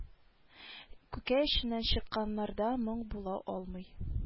Күкәй эченнән чыкканнарда моң була алмый